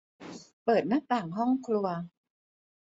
เปิดหน้าต่างห้องครัว